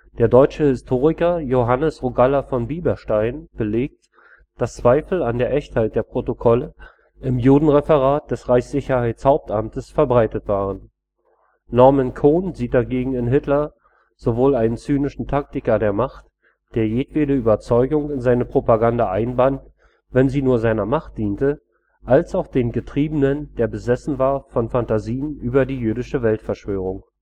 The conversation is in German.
Der deutsche Historiker Johannes Rogalla von Bieberstein belegt, dass Zweifel an der Echtheit der Protokolle im Judenreferat des Reichssicherheitshauptamts verbreitet waren. Norman Cohn sieht dagegen in Hitler sowohl einen zynischen Taktiker der Macht, der jedwede Überzeugung in seine Propaganda einband, wenn sie nur seiner Macht diente, als auch den „ Getriebenen, der besessen war von Fantasien über die jüdische Weltverschwörung